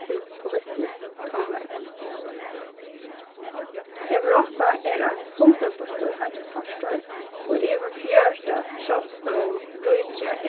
til politiskt samveldi europa er ein sundurbýttur heimspartur og yvir fjøruti sjálvstøðug ríki